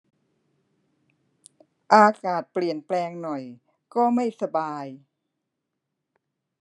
อากาศเปลี่ยนแปลงหน่อยก็ไม่สบาย